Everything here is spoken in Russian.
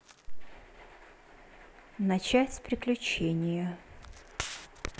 начать приключения